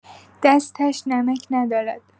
دستش نمک ندارد